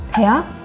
thế á